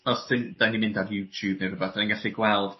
Os 'dyn 'dan ni'n mynd ar Youtube ne' rwbath 'dan ni'n gallu gweld